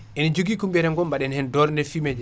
ene joogui ko biiyaten ko mbaɗen hen doorde fumier ji